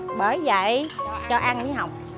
bởi vậy cho ăn với học